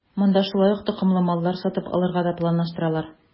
Монда шулай ук токымлы маллар сатып алырга да планлаштыралар.